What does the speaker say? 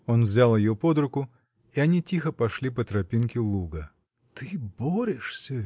Он взял ее под руку, и они тихо пошли по тропинке луга. — Ты борешься.